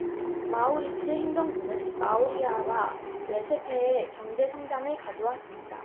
마우리츠 행정부는 마우리시아와 레시페에 경제 성장을 가져왔습니다